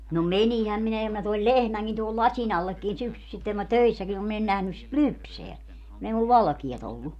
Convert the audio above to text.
no meninhän minä ja minä toin lehmänkin tuohon lasin allekin syksyisin kun minä töissäkin olin minä en nähnyt sitä lypsää kun ei minulla valkeaa ollut